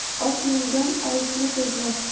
ot mingan olisni ko'zlar